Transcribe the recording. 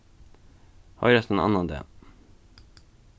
hoyrast ein annan dag